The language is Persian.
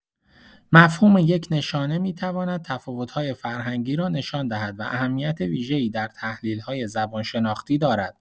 مفهوم یک نشانه می‌تواند تفاوت‌های فرهنگی را نشان دهد و اهمیت ویژه‌ای در تحلیل‌های زبان‌شناختی دارد.